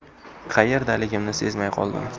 qayerdaligimni sezmay qoldim